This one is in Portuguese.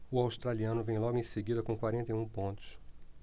o australiano vem logo em seguida com quarenta e um pontos